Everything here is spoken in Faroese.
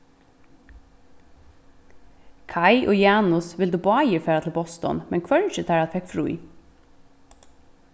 kaj og janus vildu báðir fara til boston men hvørgin teirra fekk frí